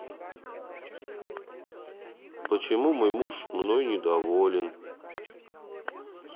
почему мой муж мной недоволен